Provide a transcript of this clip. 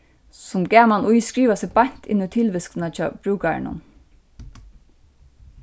sum gaman í skrivar seg beint inn í tilvitskuna hjá brúkaranum